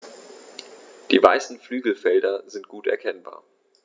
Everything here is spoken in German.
Die weißen Flügelfelder sind gut erkennbar.